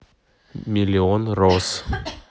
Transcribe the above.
миллион роз